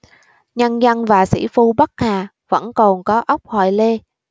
nhân dân và sĩ phu bắc hà vẫn còn có óc hoài lê